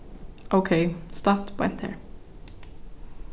ókey statt beint har